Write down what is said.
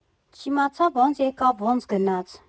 Չիմացա՝ ոնց եկավ, ոնց գնաց։